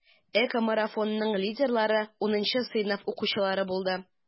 ЭКОмарафонның лидерлары 10 сыйныф укучылары булды.